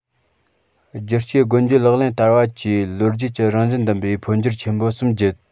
བསྒྱུར བཅོས སྒོ འབྱེད ལག ལེན བསྟར བ བཅས ལོ རྒྱུས ཀྱི རང བཞིན ལྡན པའི འཕོ འགྱུར ཆེན པོ གསུམ བརྒྱུད